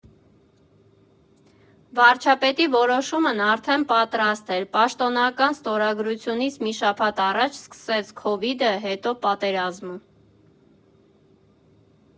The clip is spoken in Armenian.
Վարչապետի որոշումն արդեն պատրաստ էր, պաշտոնական ստորագրությունից մի շաբաթ առաջ սկսեց քովիդը, հետո՝ պատերազմը։